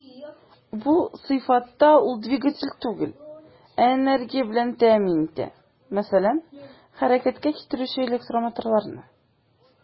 Бу сыйфатта ул двигатель түгел, ә энергия белән тәэмин итә, мәсәлән, хәрәкәткә китерүче электромоторларны.